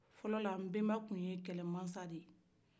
fɔlɔla nbenba kun ye kɛlɛ masa de ye